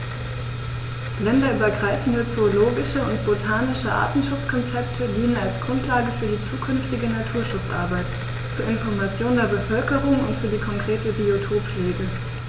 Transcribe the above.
Länderübergreifende zoologische und botanische Artenschutzkonzepte dienen als Grundlage für die zukünftige Naturschutzarbeit, zur Information der Bevölkerung und für die konkrete Biotoppflege.